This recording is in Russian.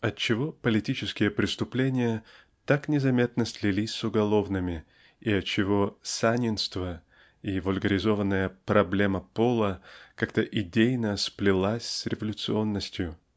Отчего политические преступления так незаметно слились с уголовными и отчего "санинство" и вульгаризованная "проблема пола" как-то идейно сплелись с революционностью?